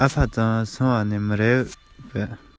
མཐོང མ མྱོང བའི རྒད པོ